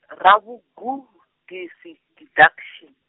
ravhugudisi didaction.